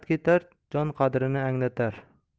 ketar jon qadrini anglatar